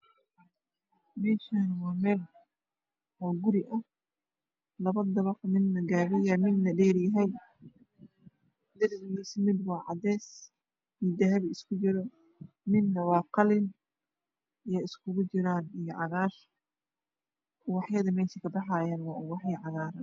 Meeshaan waa meel oo guri ah lapa dabaq midna dheer yahay midana gapan yahay midapkiisu waa cadees iyo dahapi isku jiro midna waa qalin iyo cagaar iskugu jiraan upaxyada meesha kapaxayana waa upqxyo caagaran